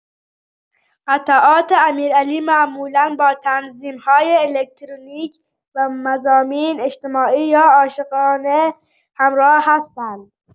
قطعات امیرعلی معمولا با تنظیم‌های الکترونیک و مضامین اجتماعی یا عاشقانه همراه هستند.